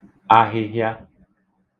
ahịhịa